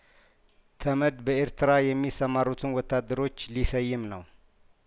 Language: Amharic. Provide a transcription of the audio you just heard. ተመድ በኤርትራ የሚሰማ ሩትን ወታደሮች ሊሰይም ነው